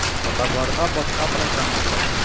Татарларга башка программ кирәк.